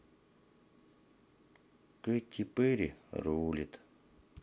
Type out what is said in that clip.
кэти перри рулет